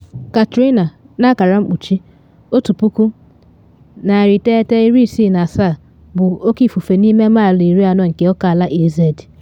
Katrina (1967) bụ oke ifufe n’ime maịlụ 40 nke oke ala AZ.”